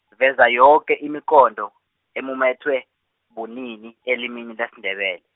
veza yoke imiqondo, emumethwe, bumnini, elimini Lesindebele.